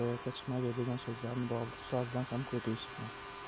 ro'yobga chiqmagay degan so'zlarni bobur ustozidan ham ko'p eshitgan